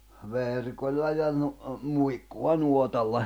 verkolla ja - muikkua nuotalla